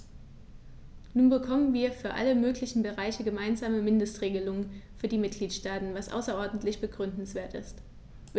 Nun bekommen wir für alle möglichen Bereiche gemeinsame Mindestregelungen für die Mitgliedstaaten, was außerordentlich begrüßenswert ist.